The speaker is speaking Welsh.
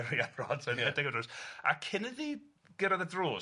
yn rhedeg am y drws, a cyn iddi gyrradd y drws,